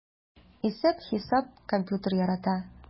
Исәп-хисап, компьютер ярата...